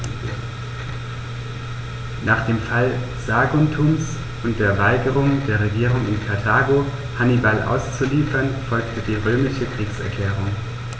Nach dem Fall Saguntums und der Weigerung der Regierung in Karthago, Hannibal auszuliefern, folgte die römische Kriegserklärung.